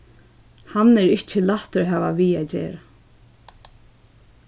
hann er ikki lættur at hava við at gera